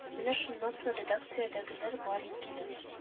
Менә шуннан соң редакциядәгеләр барин килә